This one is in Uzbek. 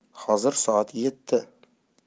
hozir soat yeti